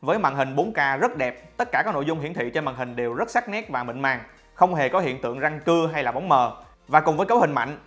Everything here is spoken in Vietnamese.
với màn hình k rất đẹp tất cả các nội dung hiển thị trên màn hình đều rất sắc nét và mịn màng không hề có hiện tượng răng cưa hay bóng mờ cùng với cấu hình mạnh